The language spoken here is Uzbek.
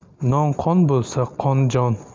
non qon bo'lsa qon jon